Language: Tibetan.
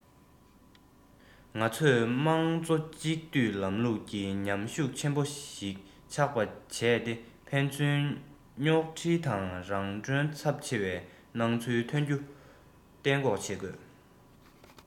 ང ཚོས དམངས གཙོ གཅིག སྡུད ལམ ལུགས ཀྱི མཉམ ཤུགས ཆེན པོ ཞིག ཆགས པ བྱས ཏེ ཕན ཚུན རྙོག འཁྲིལ དང རང གྲོན ཚབས ཆེ བའི སྣང ཚུལ ཐོན རྒྱུ གཏན འགོག བྱེད དགོས